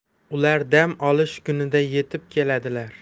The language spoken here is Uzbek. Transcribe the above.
ular dam olish kunida yetib keladilar